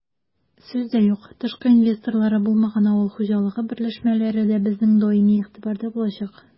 Сүз дә юк, тышкы инвесторлары булмаган авыл хуҗалыгы берләшмәләре дә безнең даими игътибарда булачак.